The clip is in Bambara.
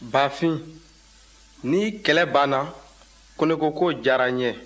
bafin ni kɛlɛ banna ko ne ko k'o diyara n ye